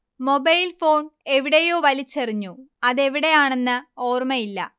mobile phone എവിടെയോ വലിച്ചെറിഞ്ഞു അതെവിടെയാെണന്ന് ഓർമയില്ല